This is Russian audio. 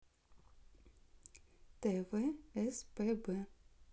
тв спб